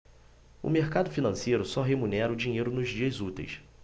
o mercado financeiro só remunera o dinheiro nos dias úteis